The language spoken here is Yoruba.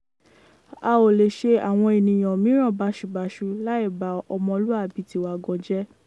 A ò lè ṣe àwọn ènìyàn mìíràn báṣubàṣu láì ba ọmọlúwàbí tiwa gan jẹ́.